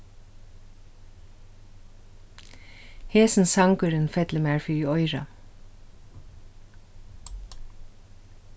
hesin sangurin fellur mær fyri oyrað